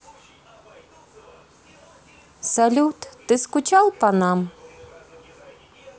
салют ты скучал по нам